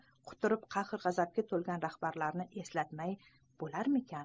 quturib qahr g'azabga to'lgan rahbarlarni eslamay bo'larmidi